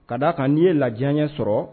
Ka d'a kan n'i ye ladiyaɲɛ sɔrɔ